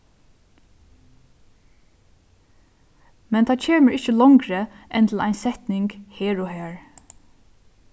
men tað kemur ikki longri enn til ein setning her og har